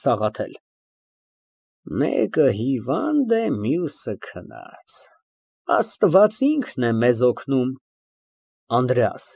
ՍԱՂԱԹԵԼ ֊ Մեկը հիվանդ է, մյուսը քնած, Աստված ինքն է օգնում քեզ։